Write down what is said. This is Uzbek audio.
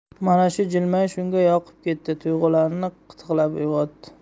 mana shu jilmayish unga yoqib ketdi tuyg'ularini qitiqlab uyg'otdi